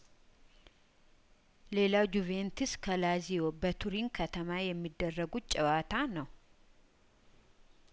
ሌላው ጁቬንትስ ከላዚዮ በቱሪን ከተማ የሚደረጉት ጨዋታ ነው